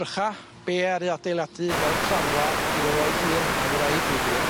drycha be' aru adeiladu fel claddfa iddo fo'i hun a'i wraig ddeu gwir.